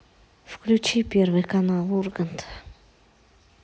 включи первый канал урганта